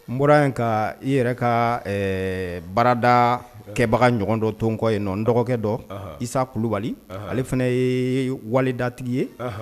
N bɔra in ka i yɛrɛ ka baarada kɛbaga ɲɔgɔn dɔ nton kɔ ye nɔn dɔgɔkɛ dɔ isa kulubali ale fana ye ye walidatigi ye